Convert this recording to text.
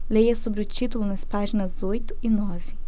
leia sobre o título nas páginas oito e nove